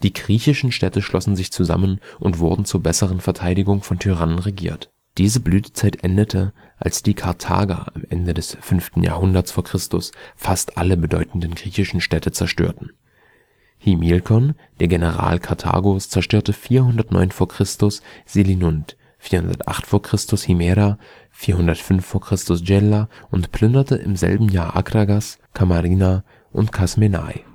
griechischen Städte schlossen sich zusammen und wurden zur besseren Verteidigung von Tyrannen regiert. Diese Blütezeit endete, als die Karthager am Ende des 5. Jahrhundert v. Chr. fast alle bedeutenden griechischen Städte zerstörten. Himilkon, der General Karthagos, zerstörte 409 v. Chr. Selinunt, 408 v. Chr. Himera, 405 v. Chr. Gela und plünderte im selben Jahr Akragas, Kamarina und Kasmenai